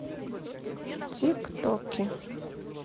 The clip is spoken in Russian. тик токи